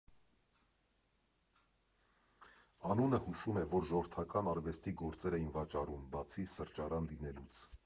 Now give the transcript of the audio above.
Անունը հուշում է, որ ժողովրդական արվեստի գործեր էին վաճառում, բացի սրճարան լինելուց։